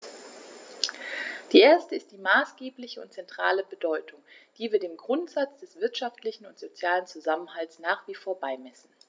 Der erste ist die maßgebliche und zentrale Bedeutung, die wir dem Grundsatz des wirtschaftlichen und sozialen Zusammenhalts nach wie vor beimessen.